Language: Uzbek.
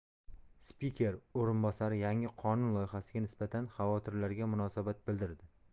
spiker o'rinbosari yangi qonun loyihasiga nisbatan xavotirlarga munosabat bildirdi